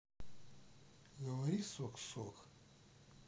говори сок сок